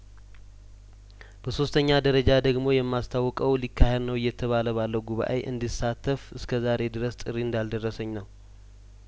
በሶስተኛ ደረጃ ደግሞ የማስታውቀው ሊካሄድ ነው እየተባለባለው ጉባኤ እንድሳተፍ እስከዛሬ ድረስ ጥሪ እንዳልደረሰኝ ነው